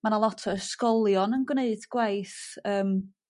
Ma' 'na lot o ysgolion yn gneud gwaith yym